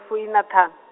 fuiṋaṱhanu.